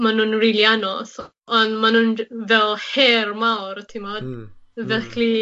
ma'n nw'n rili anodd, ond ma' nw'n j- fel her mawr t'mod... Hmm hmm. ...felly